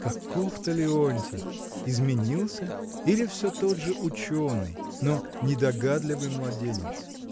Каков-то Леонтий: изменился или всё тот же ученый, но недогадливый младенец?